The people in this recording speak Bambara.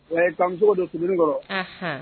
Wayi, Kamisiko don Sebenikɔrɔ.